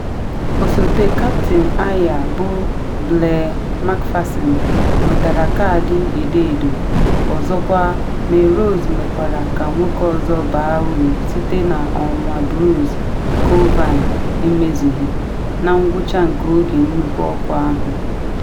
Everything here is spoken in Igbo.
Osote kaptịn Ayr bụ Blair Macpherson nwetara kaadị edo-edo, ọzọkwa, Melrose mekwara ka nwoke ọzọ baa uru site na ọnwụnwa Bruce Colvine emezughi, na ngwụcha nke oge nnukwu ọkụ ahụ.